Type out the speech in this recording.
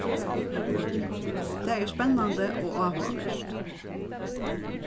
tað er spennandi og áhugavert